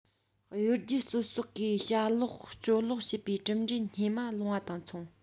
གཡོ སྒྱུ ཟོལ ཟོག གིས བྱ ལོག སྤྱོད ལོག བྱས པའི གྲུབ འབྲས སྙེ མ ལོང བ དང མཚུངས